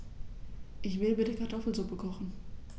Ich will bitte Kartoffelsuppe kochen.